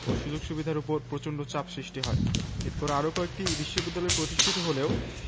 ও সুযোগ সুবিধার ওপর প্রচন্ড চাপ সৃষ্টি হয় এরপর আরও কয়েকটি বিশ্ববিদ্যালয় প্রতিষ্ঠিত হলেও